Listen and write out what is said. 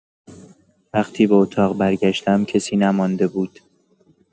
وقتی به اتاق برگشتم، کسی نمانده بود.